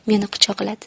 meni quchoqladi